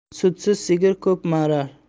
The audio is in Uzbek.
sutsiz sigir ko'p ma'rar